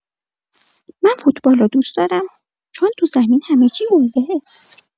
من فوتبالو دوست دارم چون تو زمین همه چی واضحه.